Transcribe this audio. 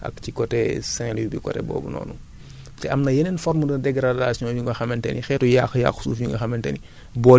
li ñu naan salinisation moom moo leen yàq ci côté Casamance Sie Saalum ak ci côté Saint-Louis bi côté boobu noonu